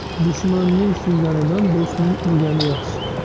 dushmanning suyganidan do'stning urgani yaxshi